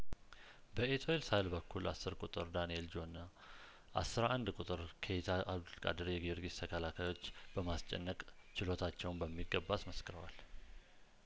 በኤቶይል ሳህል በኩል አስር ቁጥር ዳንኤል ጆና አስራ አንድ ቁጥሩ ኬይታ አብዱል ቃድር የጊዮርጊስ ተከላካዮች በማስጨነቅ ችሎታቸውን በሚገባ አስመስክረዋል